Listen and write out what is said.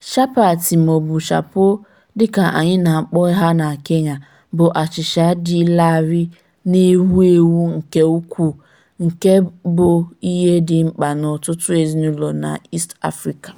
Chapati maọbụ "chapo" dịka anyị na-akpọ ha na Kenya, bụ achịcha dị larịị na-ewu ewu nke ukwuu nke bụ ihe dị mkpa n'ọtụtụ ezinaụlọ n'East Africa.